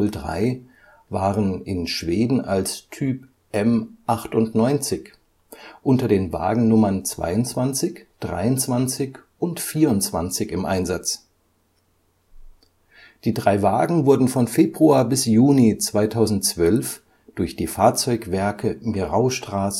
2703 waren in Schweden als Typ M98 unter den Wagennummern 22, 23 und 24 im Einsatz. Die drei Wagen wurden von Februar bis Juni 2012 durch die Fahrzeugwerke Miraustraße